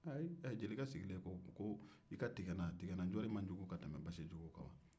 ee jelikɛ sigilen ko-ko i ka tigɛ n' na tigɛ n' na ncori ma jugu ka tɛmɛ basijugu kan wo